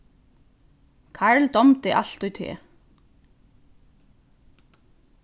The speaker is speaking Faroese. karl dámdi altíð teg